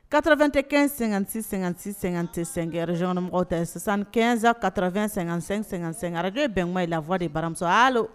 Katara2 tɛ kɛn---sɛ tɛ sen zyɔnmɔgɔw tɛ sisanɛnsan kara2--sɛkaraj bɛnkɔ la fɔ de baramusolo